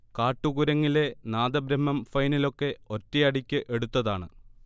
'കാട്ടുകുരങ്ങിലെ നാദബ്രഹ്മം' ഫൈനലൊക്കെ ഒറ്റയടിക്ക് എടുത്തതാണ്